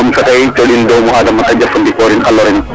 cooxin domi Adama te jafandikoorin a lorin